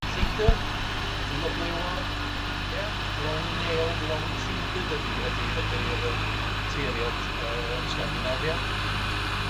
Lleidyr, dwylo blewog, ia, long-nailed, long-fingered ydi ydi ydi'r yy tueddiad yy yn Sgandinafia.